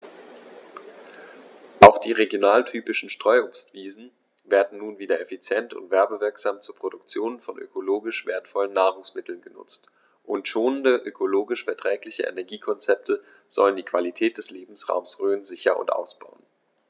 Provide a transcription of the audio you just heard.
Auch die regionaltypischen Streuobstwiesen werden nun wieder effizient und werbewirksam zur Produktion von ökologisch wertvollen Nahrungsmitteln genutzt, und schonende, ökologisch verträgliche Energiekonzepte sollen die Qualität des Lebensraumes Rhön sichern und ausbauen.